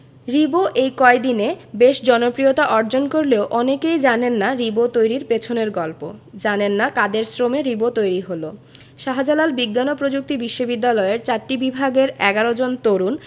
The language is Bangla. রিবো এই কয়দিনে বেশ জনপ্রিয়তা অর্জন করলেও অনেকেই জানেন না রিবো তৈরির পেছনের গল্প জানেন না কাদের শ্রমে রিবো তৈরি হলো শাহজালাল বিজ্ঞান ও প্রযুক্তি বিশ্ববিদ্যালয়ের চারটি বিভাগের ১১ জন তরুণ